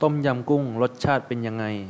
ต้มยำกุ้งรสชาติเป็นยังไง